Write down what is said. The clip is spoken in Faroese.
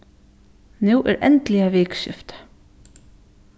nú er endiliga vikuskifti